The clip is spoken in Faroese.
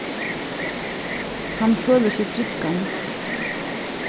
hann følir seg tryggan